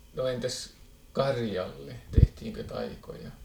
no entäs karjalle tehtiinkö taikoja